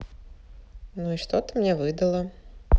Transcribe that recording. ну и что ты мне выдала